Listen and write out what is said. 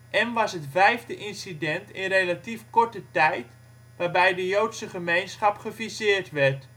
én was het vijfde incident in relatief korte tijd waarbij de Joodse gemeenschap geviseerd werd